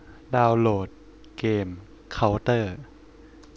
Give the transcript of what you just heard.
ดาวโหลดเกมเค้าเตอร์